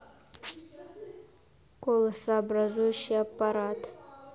голосообразующий аппарат